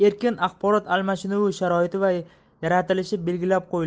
axborot almashinuvi sharoiti yaratilishi belgilab qo'yilgan